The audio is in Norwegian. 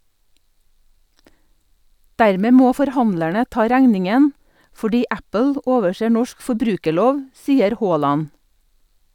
Dermed må forhandlerne ta regningen fordi Apple overser norsk forbrukerlov, sier Haaland.